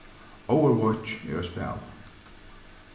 overwatch er eitt spæl